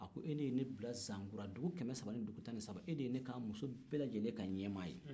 a ko e de ye ne bila zankura dugu kɛmɛ saba ani dugu tan ni saba e de ye n k'a muso bɛɛ lajɛlen ka ɲɛmaa ye